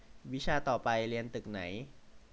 วิชาต่อไปเรียนตึกไหน